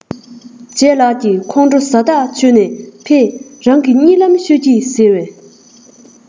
ལྗད ལགས ཁོང ཁྲོ ཟ ཐག ཆོད ནས ཕེད རང གིས གཉིད ལམ ཤོད ཀྱིས ཟེར བས